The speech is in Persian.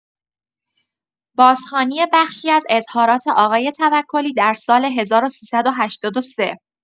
بازخوانی بخشی از اظهارات آقای توکلی در سال ۱۳۸۳